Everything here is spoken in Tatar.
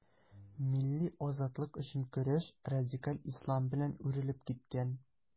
Милли азатлык өчен көрәш радикаль ислам белән үрелеп киткән.